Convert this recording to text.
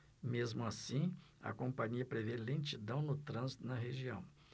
mesmo assim a companhia prevê lentidão no trânsito na região